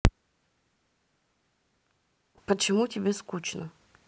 почему тебе скучно